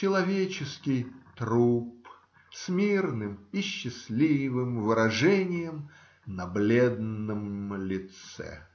человеческий труп с мирным и счастливым выражением на бледном лице.